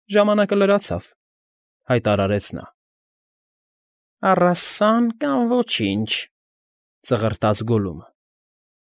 Ժամանակը լրացավ,֊ հայտարարեց նա։ ֊ Առաս֊ս֊ս֊սան կամ ոչինչ,֊ ծղրտաց Գոլլումը։